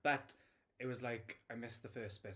But, it was like, I missed the first bit